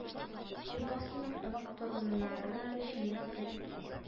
Чуковскийның онык-туруннары чыннак да бик күп